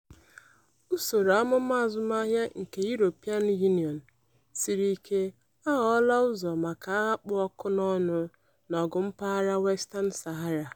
Usoro amụma azụmahịa nke European Union (EU) siri ike aghọọla ụzọ maka agha kpụ ọkụ n'ọnụ n'ọgụ mpaghara Western Sahara.